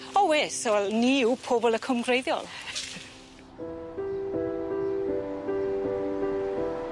O wes wel ni yw pobol y cwm gwreiddiol.